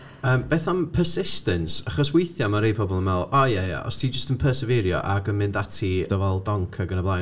Yym, beth am persistance? Achos weithiau ma' rhai pobl yn meddwl "o ia, ia, os ti jyst yn pyrsyfirio, ac yn mynd ati dyfal donc ac yn y blaen"